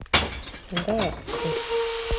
да ст